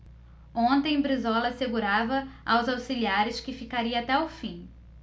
ontem brizola assegurava aos auxiliares que ficaria até o fim